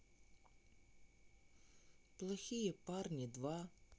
плохие парни два